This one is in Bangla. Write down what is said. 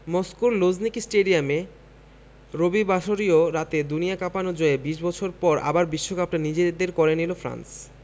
মস্কোর লুঝনিকি স্টেডিয়ামে রবিবাসরীয় রাতে দুনিয়া কাঁপানো জয়ে ২০ বছর পর আবার বিশ্বকাপটা নিজেদের করে নিল ফ্রান্স